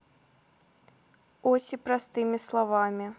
оси простыми словами